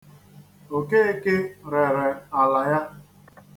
Okeke rere ala ya.